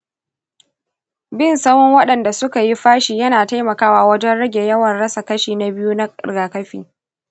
bin sawun waɗanda suka yi fashi yana taimakawa wajen rage yawan rasa kashi na biyu na rigakafi.